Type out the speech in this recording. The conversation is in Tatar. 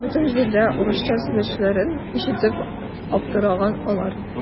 Бөтен җирдә урысча сөйләшүләрен ишетеп аптыраган алар.